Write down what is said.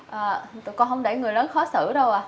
ờ tụi con không để người lớn khó xử đâu ạ